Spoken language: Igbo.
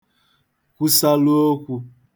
kwusalụ okwū